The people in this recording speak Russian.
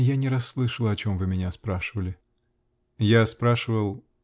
Я не расслышала, о чем вы меня спрашивали. -- Я спрашивал.